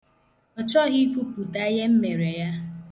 Ọ chọghị ikwupụta ihe m mere ya.